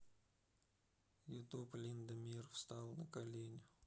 ютуб линда мир встал на колени